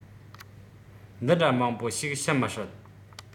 འདི འདྲ མང པོ ཞིག ཤི མི སྲིད